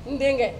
N dengɛ